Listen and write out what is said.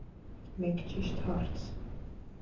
Մեկ ճիշտ հարց։